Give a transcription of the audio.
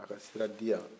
aw ka sira diyan